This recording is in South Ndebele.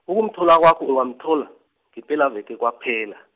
ukumthola kwakho ungamthola, ngepelaveke kwaphela.